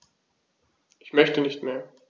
Ich möchte nicht mehr.